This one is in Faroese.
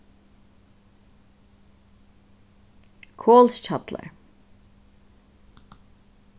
kolshjallar